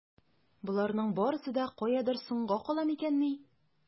Боларның барсы да каядыр соңга кала микәнни?